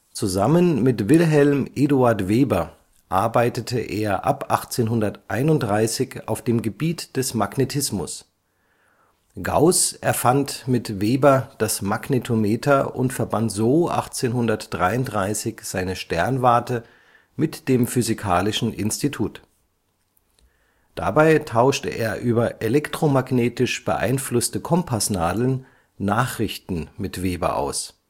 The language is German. Zusammen mit Wilhelm Eduard Weber arbeitete er ab 1831 auf dem Gebiet des Magnetismus. Gauß erfand mit Weber das Magnetometer und verband so 1833 seine Sternwarte mit dem physikalischen Institut. Dabei tauschte er über elektromagnetisch beeinflusste Kompassnadeln Nachrichten mit Weber aus